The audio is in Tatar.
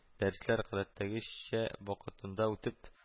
Дәресләр гадәттәгечә вахтында үтеп